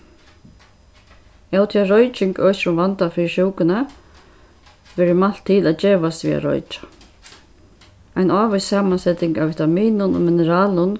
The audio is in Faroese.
av tí at royking økir um vandan fyri sjúkuni verður mælt til at gevast við at roykja ein ávís samanseting av vitaminum og mineralum